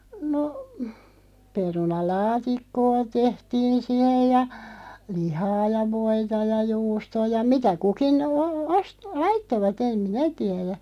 no perunalaatikkoa tehtiin siihen ja lihaa ja voita ja juustoa ja mitä kukin -- laittoivat en minä tiedä